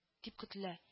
Дип көтелә